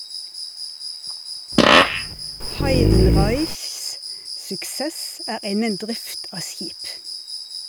Heidenreichs suksess er innen drift av skip.